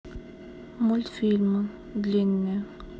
мультфильмы длинные